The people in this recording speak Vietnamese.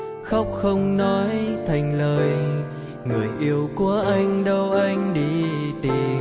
khóc không nói thành lời người yêu của anh đâu anh đi tìm